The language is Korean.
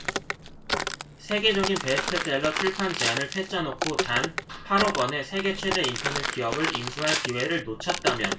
세계적인 베스트셀러의 출판 제안을 퇴짜놓고 단 팔 억 원에 세계 최대 인터넷 기업을 인수할 기회를 놓쳤다면